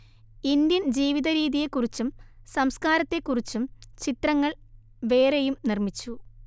Indian ജീവിതരീതിയെക്കുറിച്ചും സംസ്കാരത്തെക്കുറിച്ചും ചിത്രങ്ങൾ വേറെയും നിർമിച്ചു